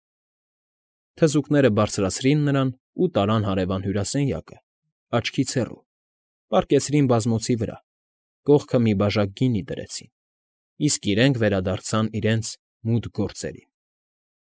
Թզուկները բարձրացրին նրան ու տարան հարևան հյուրասենյակը, աչքից հեռու, պառկեցրին բազմոցի վրա, կողքը մի բաժակ ջուր դրեցին, իսկ իրենք վերադարձան իրենց «մութ գործերին»։ ֊